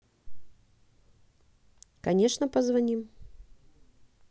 конечно позвоним